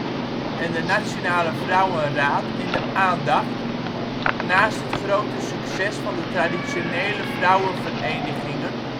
en de Nationale Vrouwenraad in de aandacht, naast het grote succes van de " traditionele " vrouwenverenigingen